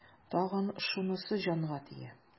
Тагын шунысы җанга тия.